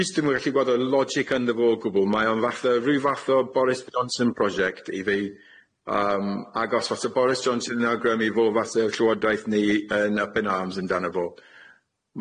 Jyst dwi'm yn gallu gweld y logic ynddo fo o gwbwl mae o'n fath o ryw fath o Boris Johnson project i fi yym ag os fath o Boris Johnson yn awgrymu fo fath o llywodaeth ni yn up in arms amdano fo.